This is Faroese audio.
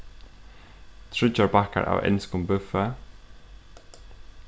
tríggjar bakkar av enskum búffi